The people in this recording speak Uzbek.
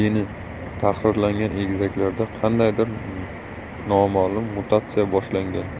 geni tahrirlangan egizaklarda qandaydir noma'lum mutatsiya boshlangan